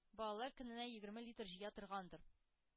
Балалар көненә егерме литр җыя торгандыр.